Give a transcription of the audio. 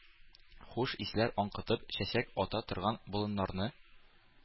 Хуш исләр аңкытып чәчәк ата торган болыннарны,